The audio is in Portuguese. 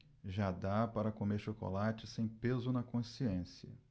já dá para comer chocolate sem peso na consciência